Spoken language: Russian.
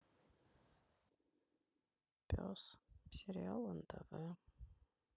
пес сериал нтв